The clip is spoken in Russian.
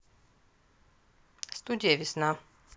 студия весна